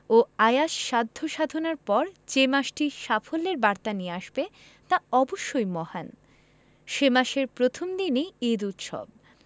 ও আয়াস সাধ্য সাধনার পর যে মাসটি সাফল্যের বার্তা নিয়ে আসবে তা অবশ্যই মহান সে মাসের প্রথম দিনই ঈদ উৎসব